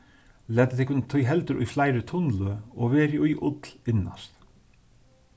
latið tykkum tí heldur í fleiri tunn løg og verið í ull innast